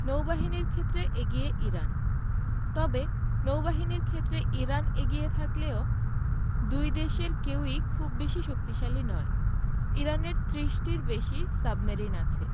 নৌবাহিনীর ক্ষেত্রে এগিয়ে ইরান তবে নৌবাহিনীর ক্ষেত্রে ইরান এগিয়ে থাকলেও দুই দেশের কেউই খুব বেশি শক্তিশালী নয় ইরানের ৩০টির বেশি সাবমেরিন আছে